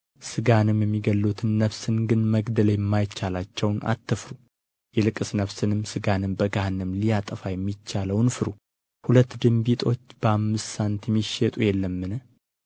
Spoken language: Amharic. ሥጋንም የሚገድሉትን ነፍስን ግን መግደል የማይቻላቸውን አትፍሩ ይልቅስ ነፍስንም ሥጋንም በገሃነም ሊያጠፋ የሚቻለውን ፍሩ ሁለት ድንቢጦች በአምስት ሳንቲም ይሸጡ የለምን